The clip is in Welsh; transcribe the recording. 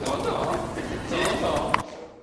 Do do. Do do.